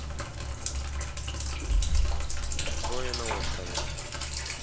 трое на острове